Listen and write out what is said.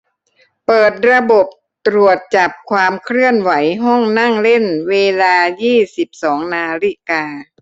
เปิดระบบตรวจจับความเคลื่อนไหวห้องนั่งเล่นเวลายี่สิบสองนาฬิกา